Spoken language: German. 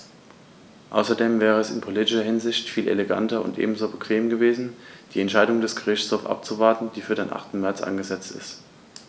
Außerdem wäre es in politischer Hinsicht viel eleganter und ebenso bequem gewesen, die Entscheidung des Gerichtshofs abzuwarten, die für den 8. März angesetzt ist.